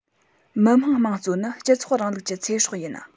མི དམངས དམངས གཙོ ནི སྤྱི ཚོགས རིང ལུགས ཀྱི ཚེ སྲོག ཡིན